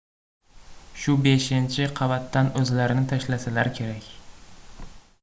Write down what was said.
shu beshinchi qavatdan o'zlarini tashlasalar kerak